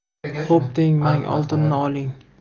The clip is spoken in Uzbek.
xo'p deng mang oltinni oling